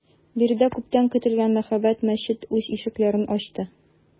Биредә күптән көтелгән мәһабәт мәчет үз ишекләрен ачты.